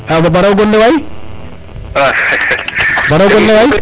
a bara bo raw gonle waay bo raw gonle waay